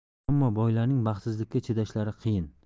ammo boylarning baxtsizlikka chidashlari qiyin